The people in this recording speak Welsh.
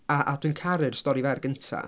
A a dwi'n dwi'n caru'r stori fer gynta.